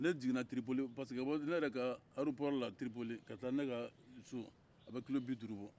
ne jiginna tiripoli parce que ka bɔ pankurunjiginyɔrɔ la tiripoli ka ne ka so a bɛ kilo biduuru bɔ